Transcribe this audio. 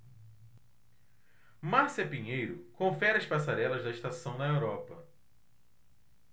márcia pinheiro confere as passarelas da estação na europa